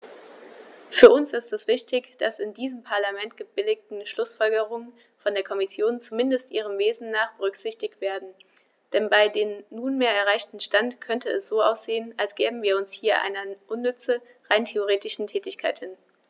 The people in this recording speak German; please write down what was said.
Für uns ist es wichtig, dass die in diesem Parlament gebilligten Schlußfolgerungen von der Kommission, zumindest ihrem Wesen nach, berücksichtigt werden, denn bei dem nunmehr erreichten Stand könnte es so aussehen, als gäben wir uns hier einer unnütze, rein rhetorischen Tätigkeit hin.